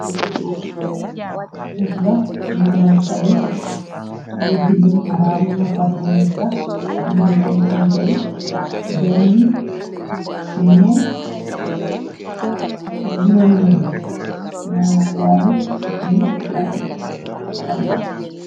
Buk la manam kayé ay bindém arab ñoo fa déé nèkka manam sèèn kontey benna, ñénti, ak jurom ñénti manam waahid, isnayni , Sabha.